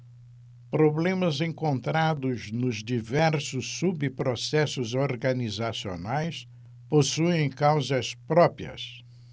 problemas encontrados nos diversos subprocessos organizacionais possuem causas próprias